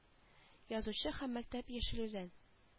Язучы һәм мәктәп яшел үзән